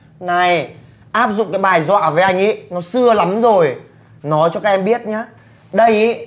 này áp dụng cái bài dọa với anh ý nó xưa lắm rồi nói cho các em biết nhá đây ấy